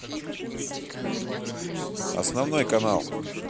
основной канал